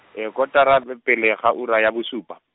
kotara le pele ga ura ya bosupa.